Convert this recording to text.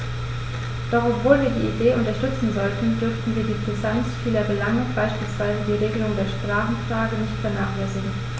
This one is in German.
Doch obwohl wir die Idee unterstützen sollten, dürfen wir die Brisanz vieler Belange, beispielsweise die Regelung der Sprachenfrage, nicht vernachlässigen.